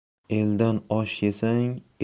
eldan osh yesang